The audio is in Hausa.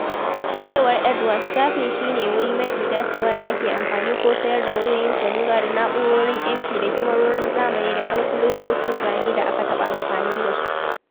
A cewar Edward, shafin "shi ne wuri mafi dacewa da ake amfani ko sayar da wayoyin salula da na'urorin mp da kyamarorin zamani da kalkuletocin zane da aka taɓa amfani da su.